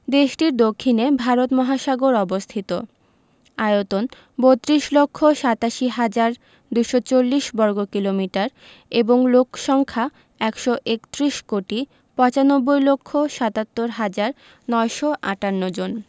দেশটির দক্ষিণে ভারত মহাসাগর অবস্থিত আয়তন ৩২ লক্ষ ৮৭ হাজার ২৪০ বর্গ কিমি এবং লোক সংখ্যা ১৩১ কোটি ৯৫ লক্ষ ৭৭ হাজার ৯৫৮ জন